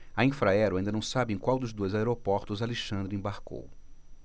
a infraero ainda não sabe em qual dos dois aeroportos alexandre embarcou